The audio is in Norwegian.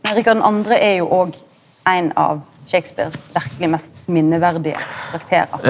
men Rikard den andre er jo òg ein av Shakespeares verkeleg mest minneverdige karakterar.